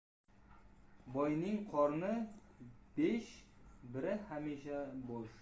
boyning qorni besh biri hamisha bo'sh